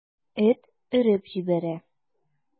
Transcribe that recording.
Эт өреп җибәрә.